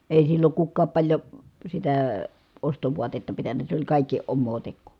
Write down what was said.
ei silloin kukaan paljon sitä ostovaatetta pitänyt se oli kaikki omaa tekoa